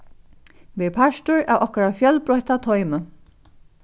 ver partur av okkara fjølbroytta toymi